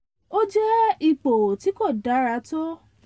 Ó jẹ́ ipò tí kò dára tó."